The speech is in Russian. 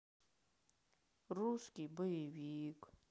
русский боевик